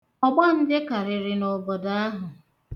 Ọgbanje karịrị n'obodo ahụ.